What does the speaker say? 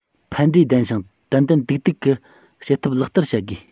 ཕན འབྲས ལྡན ཞིང ཏན ཏན ཏིག ཏིག གི བྱེད ཐབས ལག བསྟར བྱ དགོས